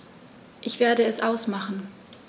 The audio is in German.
Ich werde es ausmachen